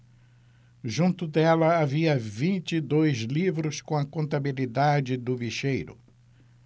junto dela havia vinte e dois livros com a contabilidade do bicheiro